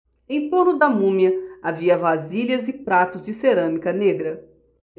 em torno da múmia havia vasilhas e pratos de cerâmica negra